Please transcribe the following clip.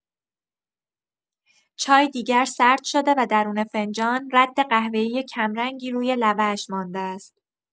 چای دیگر سرد شده و درون فنجان، رد قهوه‌ای کمرنگی روی لبه‌اش مانده است.